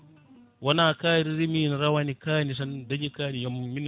wona kaari reemi rawane kaani tan dañi kaani yo minne